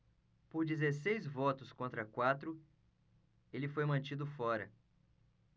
por dezesseis votos contra quatro ele foi mantido fora